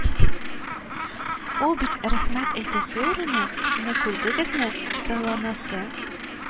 Ул бит рәхмәт әйтәсе урынга: «менә күрдегезме, сайланасы